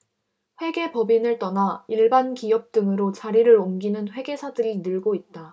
회계법인을 떠나 일반 기업 등으로 자리를 옮기는 회계사들이 늘고 있다